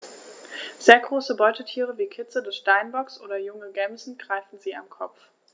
Sehr große Beutetiere wie Kitze des Steinbocks oder junge Gämsen greifen sie am Kopf.